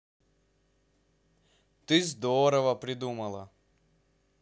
ты здорово придумала